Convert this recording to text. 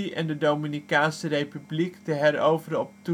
en de Dominicaanse republiek te heroveren op